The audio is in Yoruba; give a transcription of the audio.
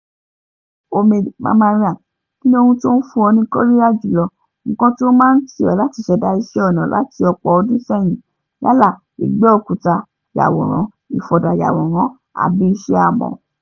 Omid Memarian: Kínni ohun tí ó ń fún ọ ní kóríyá jùlọ, nǹkan tí ó máa ń tì ọ́ láti ṣẹ̀dá iṣẹ́ ọnà láti ọ̀pọ̀ ọdún sẹ́yìn, yálà ìgbẹ́-òkúta-yàwòrán, ìfọ̀dà-yàwòrán, àbí iṣẹ́ amọ̀?